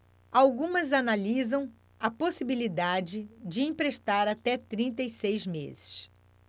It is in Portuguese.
algumas analisam a possibilidade de emprestar até trinta e seis meses